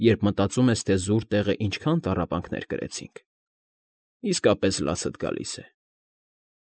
Երբ մտածում ես, թե զուր տեղը ինչքան տառապանքներ կրեցինք, իսկապես լացդ գալիս է։